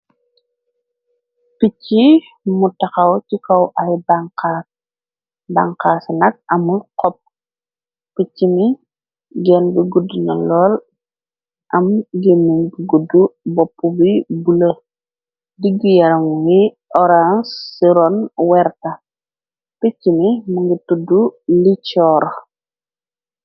Picc yi mu taxaw ci kaw ay banxaa s nag amul xopp picc mi genn bi guddu na lool am gimun bi gudd bopp bi bule digu yaram ngi oranseron werta picc mi mi ngi tuddu licoor.